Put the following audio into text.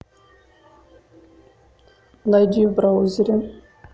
найди в браузере